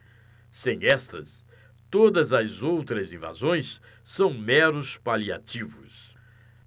sem estas todas as outras invasões são meros paliativos